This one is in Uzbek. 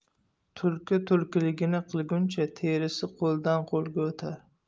tulki tulkiligini qilguncha terisi qo'ldan qo'lga o'tar